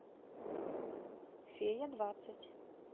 фея двадцать